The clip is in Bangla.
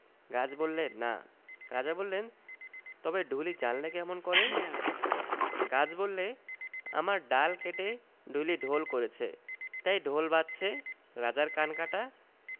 গাছ বললে না রাজা বললেন তবে ঢুলি জানলে কেমন করে গাছ বললে আমার ডাল কেটে ঢুলি ঢোল করেছে তাই ঢোল বাজছে রাজার কান কাটা